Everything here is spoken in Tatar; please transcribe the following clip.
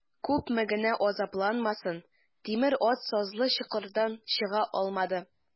Күпме генә азапланмасын, тимер ат сазлы чокырдан чыга алмады.